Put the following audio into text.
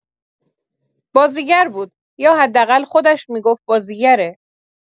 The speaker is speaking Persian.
بازیگر بود، یا حداقل خودش می‌گفت بازیگره.